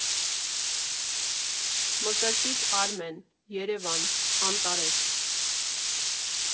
ՄԿՐՏԻՉ ԱՐՄԵՆ «ԵՐԵՎԱՆ», ԱՆՏԱՐԵՍ։